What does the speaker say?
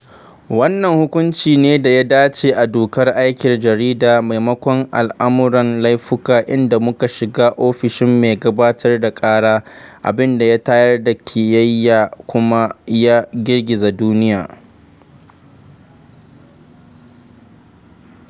Wannan hukunci ne da ya dace da dokar aikin jarida maimakon al’amuran laifuka inda muka shiga ofishin mai gabatar da ƙara, abin da ya tayar da ƙiyayya kuma ya girgiza duniya.